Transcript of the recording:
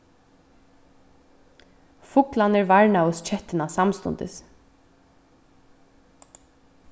fuglarnir varnaðust kettuna samstundis